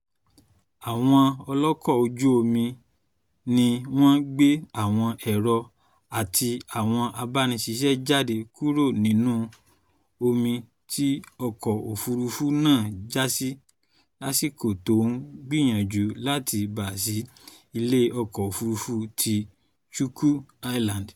Àwọn ọlọ́kò ojú-omi ni wọ́n gbé àwọn èrò àti àwọn abániṣíṣẹ́ jáde kúrò nínú omi tí ọkọ̀-òfúrufú náà jásí lásìkò tó ń gbìyànjú láti bà sí ilé-ọkọ̀ òfurufú ti Chuuk Island.